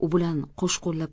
u bilan qo'shqo'llab